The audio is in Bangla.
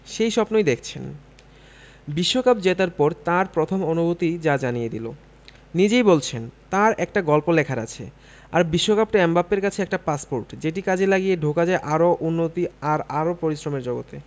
সেই স্বপ্নই দেখছেন বিশ্বকাপ জেতার পর তাঁর প্রথম অনুভূতিই যা জানিয়ে দিল নিজেই বলছেন তাঁর একটা গল্প লেখার আছে আর বিশ্বকাপটা এমবাপ্পের কাছে একটা পাসপোর্ট যেটি কাজে লাগিয়ে ঢোকা যায় আরও উন্নতি আর আরও পরিশ্রমের জগতে